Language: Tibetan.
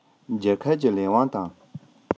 རྒྱལ ཁབ ཀྱི ལས དབང དང